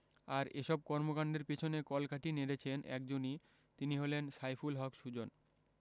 আর এসব কর্মকাণ্ডের পেছনে কলকাঠি নেড়েছেন একজনই তিনি হলেন সাইফুল হক সুজন